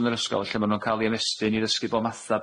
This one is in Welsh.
yn yr ysgol lle ma' nw'n ca'l 'u ymestyn i ddysgu bob math